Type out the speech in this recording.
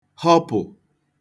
họpụ̀